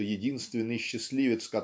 что единственный счастливец